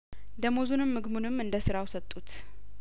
ደሞዙንም ምግቡንም እንደስራው ሰጡት